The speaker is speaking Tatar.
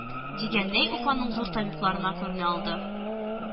Дигәндәй, уфаның зур табибларына күренә алды